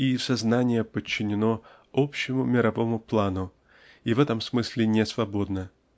и сознание подчинено общему мировому плану и в этом смысле несвободно